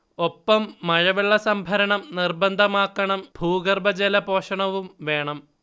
ഒപ്പം മഴവെള്ള സംഭരണം നിർബന്ധമാക്കണം ഭൂഗർഭജലപോഷണവും വേണം